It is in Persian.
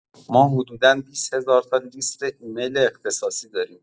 ما حدودا ۲۰ هزار تا لیست ایمیل اختصاصی داریم.